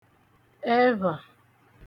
ẹvhà